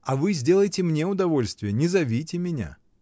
— А вы сделайте мне удовольствие, не зовите меня.